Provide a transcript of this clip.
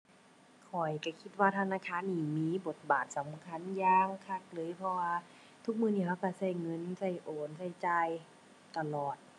ข้อยก็คิดว่าธนาคารนี่มีบทบาทสำคัญอย่างคักเลย เพราะว่าทุกมื้อนี้ก็ก็ก็เงิน ก็โอน ก็จ่ายตลอด